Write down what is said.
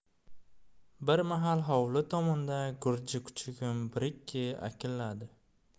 bir mahal hovli tomonda gurji kuchugim birikki akilladi